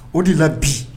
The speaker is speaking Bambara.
O de la bi